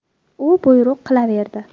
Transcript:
u buyruq qilaverdi